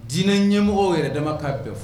Dinɛ ɲɛmɔgɔ yɛrɛ dama ka bɛn fɔ